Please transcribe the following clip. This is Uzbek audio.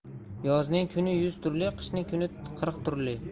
yozning kuni yuz turli qishning kuni qirq turli